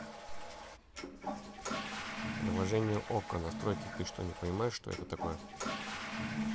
приложение okko настройки ты что не понимаешь что это такое